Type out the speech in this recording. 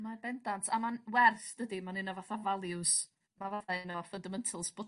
Mae bendant a ma'n werth dydi ma'n un o fath o values fundamentals book